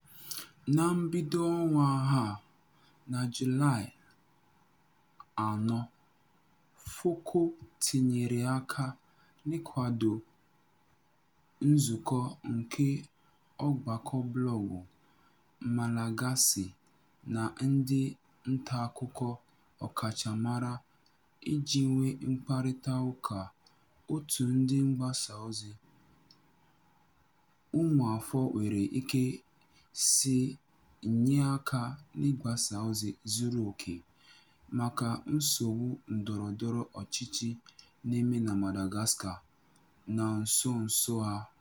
Na mbido ọnwa a (na Julaị 4) FOKO tinyere aka n'ịkwado nzụkọ nke ọgbakọ blọọgụ Malagasy na ndị ntaakụkọ ọkachamara iji nwee mkparịtaụka otú ndị mgbasaozi ụmụafọ nwere ike si nye aka n'ịgbasa ozi zuru oke maka nsogbu ndọrọndọrọ ọchịchị na-eme na Madagascar na nso nso a.